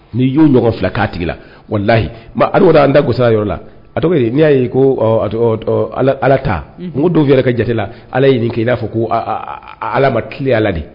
Ni y'oɔgɔ fila' tigi la wala lahiyi an da gora yɔrɔ la a tɔgɔ n'i y'a ye ko ala ta dɔw yɛrɛ ka jate la ala ye k'i n'a fɔ ko ala matileya de